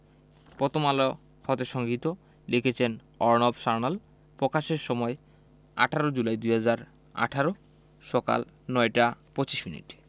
প্রথম আলো হতে সংগৃহীত লিখেছেন অর্ণব স্যান্যাল প্রকাশের সময় ১৮ জুলাই ২০১৮ সকাল ৯টা ২৫ মিনিট